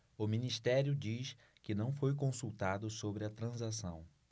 o ministério diz que não foi consultado sobre a transação